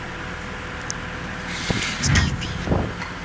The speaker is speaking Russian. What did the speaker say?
турецкий фильм